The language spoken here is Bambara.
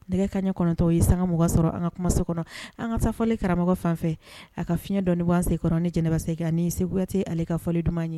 Nɛgɛ ka ɲɛ kɔnɔntɔw ye sangamɔgɔ sɔrɔ an ka kumaso kɔnɔ an ka taa fɔli karamɔgɔ fanfɛ a ka fiɲɛ dɔnniɔnibaase ni jɛnɛbase ka ni segu kuyate ale ka fɔli dumanuma ɲɛ